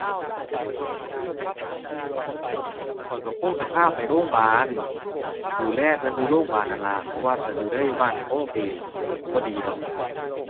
ข้อยก็คงสิพาไปโรงบาล ดูแลเพิ่นอยู่โรงบาลนั่นล่ะ เพราะว่าถ้าดูแลอยู่บ้านก็คงสิบ่ดีดอก